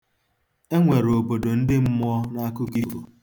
E nwere obodo ndị mmụọ n'akụkọ ifo.